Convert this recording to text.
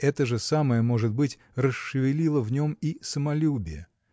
Это же самое, может быть, расшевелило в нем и самолюбие